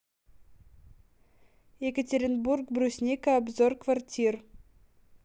екатеринбург брусника обзор квартир